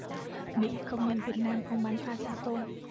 mỹ công nhận việt nam không bán phá giá tôm